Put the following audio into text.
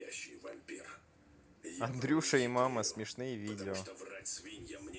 андрюша и мама смешные видео